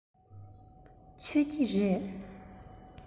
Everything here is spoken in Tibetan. མཆོད ཀྱི རེད